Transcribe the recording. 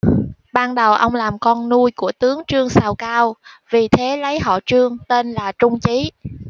ban đầu ông làm con nuôi của tướng trương sào cao vì thế lấy họ trương tên là trung chí